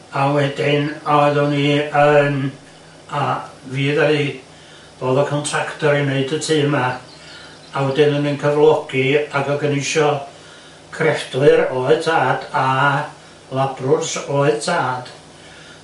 a wedyn oeddwn i yn... a fi ddaru fod y contractor i neud y tŷ 'ma a wedyn o'n i'n cyflogi ac oni isio creffdwyr... oedd tad a labrwrs... oedd tad.